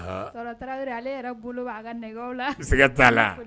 Taara ale yɛrɛ bolo a ka nɛgɛ la sɛgɛ t'a la